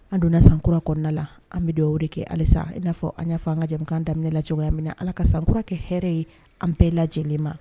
An donna sankura kɔnɔna la an bɛ dɔw o de kɛ halisa i n'a fɔ an y'a an ka jamanakan daminɛ la cogoyayamina ala ka sankura kɛ hɛrɛ ye an bɛɛ lajɛ lajɛlen ma